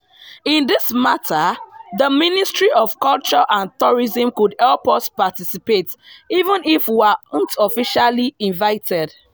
In this matter, the Ministry of Culture and Tourism could help us participate, even if we aren't officially invited.